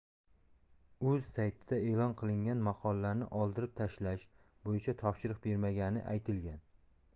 uz saytida e'lon qilingan maqolalarni oldirib tashlash bo'yicha topshiriq bermagani aytilgan